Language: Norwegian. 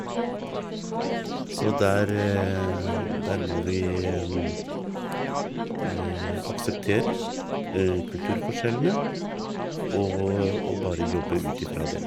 Så der der må vi akseptere kulturforskjellene, og og bare jobbe ut ifra det.